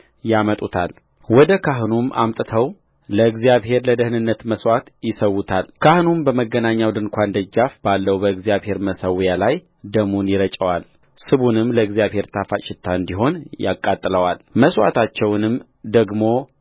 ያመጡታል ወደ ካህኑም አምጥተው ለእግዚአብሔር ለደኅንነት መሥዋዕት ይሠዉታልካህኑም በመገኛኛው ድንኳን ደጃፍ ባለው በእግዚአብሔር መሠዊያ ላይ ደሙን ይረጨዋል ስቡንም ለእግዚአብሔር ጣፋጭ ሽታ እንዲሆን ያቃጥለዋልመሥዋዕታቸውንም ደግሞ